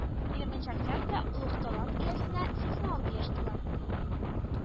Егерменче октябрьдә олуг талант иясенә сиксән алты яшь тула